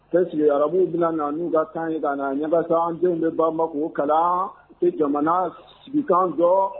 Qu'est-ce que arabuw bɛna na se n'u ka kan ye ka na ɲɛda kalan u tɛ jamana cikany don